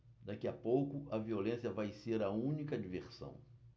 daqui a pouco a violência vai ser a única diversão